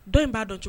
Dɔ in b'a dɔn cogo